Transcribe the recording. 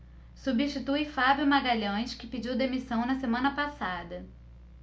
substitui fábio magalhães que pediu demissão na semana passada